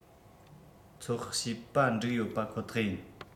ཚོད དཔག བྱས པ འགྲིག ཡོད པ ཁོ ཐག ཡིན